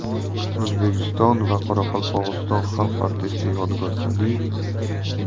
o'zbekiston va qoraqalpog'iston xalq artisti yodgor sa'diyev